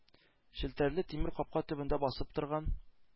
Челтәрле тимер капка төбендә басып торган